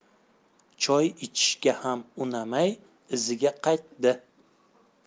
choy ichishga ham unamay iziga qaytdi